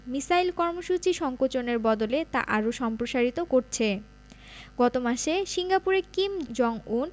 missile কর্মসূচি সংকোচনের বদলে তা আরও সম্প্রসারিত করছে গত মাসে সিঙ্গাপুরে কিম জং উন